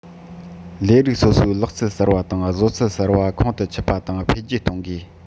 ལས རིགས སོ སོའི ལག རྩལ གསར པ དང བཟོ རྩལ གསར པ ཁོང དུ ཆུད པ དང འཕེལ རྒྱས གཏོང དགོས